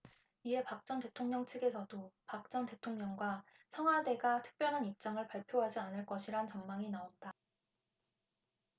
이에 박 전 대통령 측에서도 박 전 대통령과 청와대가 특별한 입장을 발표하지 않을 것이란 전망이 나온다